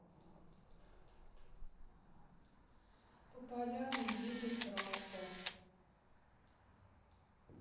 по поляне едет трактор